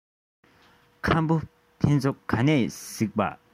ཁམ བུ ཕ ཚོ ག ནས གཟིགས པ